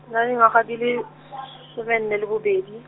na le dingwaga di le, somenne le bobedi.